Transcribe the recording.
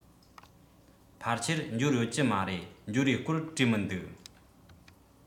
ཕལ ཆེར འབྱོར ཡོད ཀྱི མ རེད འབྱོར བའི སྐོར བྲིས མི འདུག